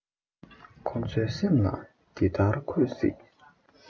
ཁོ ཚོའི སེམས ལ འདི ལྟར མཁོར སྲིད